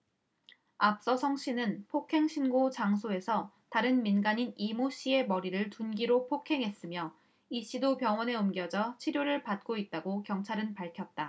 앞서 성씨는 폭행 신고 장소에서 다른 민간인 이모씨의 머리를 둔기로 폭행했으며 이씨도 병원에 옮겨져 치료를 받고 있다고 경찰은 밝혔다